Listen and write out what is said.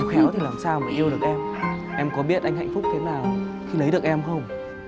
không khéo thì làm sao mà yêu em có biết anh hạnh phúc thế nào khi lấy được em không